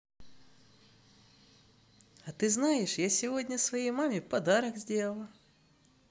а ты знаешь я сегодня своей маме подарок сделала